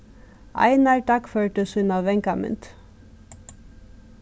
einar dagførdi sína vangamynd